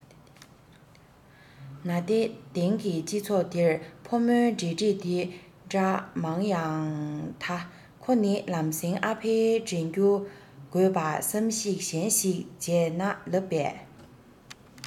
ན ཏེ དེང གི སྤྱི ཚོགས དེར ཕོ མོའི འབྲེལ འདྲིས འདི འདྲ མང ཡང མཐའ ཁོ ནི ལམ སེང ཨ ཕའི དྲན རྒྱུ དགོས པ བསམ གཞིག གཞན ཞིག བྱས ན ལབ པས